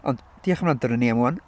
Ond diolch am wrando i ni am 'ŵan.